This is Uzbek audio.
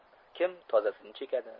kim tozasini chekadi